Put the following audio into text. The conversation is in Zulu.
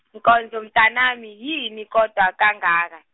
Nkonzo mntanami yini kodwa kangaka.